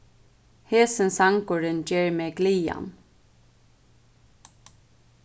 hesin sangurin ger meg glaðan